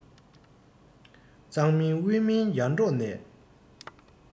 གཙང མིན དབུས མིན ཡར འབྲོག ནས